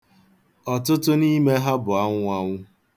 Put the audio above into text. Ọtụtụ ni'ime ha bụ anwụanwụ.